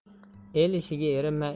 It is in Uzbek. el ishiga erinma